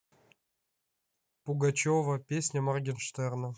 пугачева песня моргенштерна